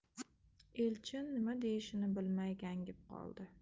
elchin nima deyishini bilmay gangib qoldi